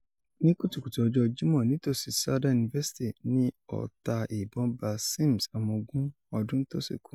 Ní kùtùkùtù ọjọ́ Jímọ̀, nítọ̀sí Southern University, ni ọta ìbọn ba Sims, ọmọ ogun (20) ọdún, tó sì kú.